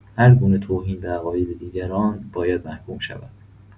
هرگونه توهین به عقاید دیگران باید محکوم شود.